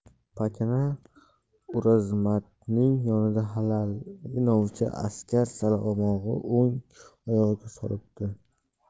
pakana o'rozmatning yonida haligi novcha askar salmog'ini o'ng oyog'iga solibdi